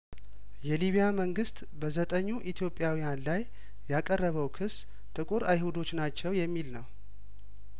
የሊቢያመንግስት በዘጠኙ ኢትዮጵያውያን ላይ ያቀረበው ክስ ጥቁር አይሁዶች ናቸው የሚል ነው